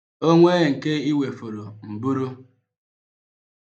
O nwee nke I wefọrọ, m buru.